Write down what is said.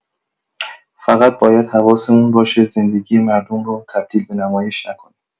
فقط باید حواسمون باشه زندگی مردم رو تبدیل به نمایش نکنیم.